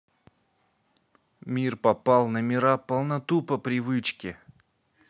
мир попал номера полноту по привычке